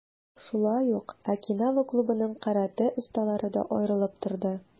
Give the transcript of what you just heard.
Шулай ук, "Окинава" клубының каратэ осталары да аерылып торды.